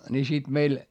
niin sitten meillä